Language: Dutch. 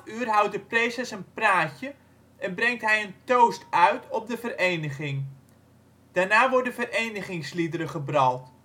houdt de praeses een praatje en brengt hij een toast uit op de vereniging. Daarna worden verenigingsliederen gebrald